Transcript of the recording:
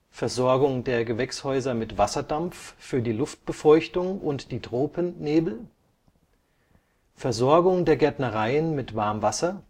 Versorgung der Gewächshäuser mit Wasserdampf für die Luftbefeuchtung und die Tropennebel, Versorgung der Gärtnereien mit Warmwasser